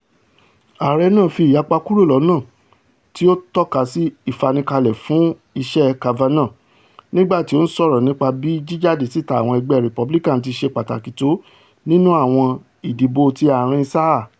Ààrẹ náà fi ìyapa kuro lọ́nà tí ó tọ́ tọ́kasí ìfanikalẹ fún iṣẹ́ Kavanaugh nígbàti ó ńsọrọ nípa bí jíjáde síta àwọn ẹgbẹ́ Republican tiṣe pàtakì tó nínú àwọn ìdìbò ti ààrin-sáà.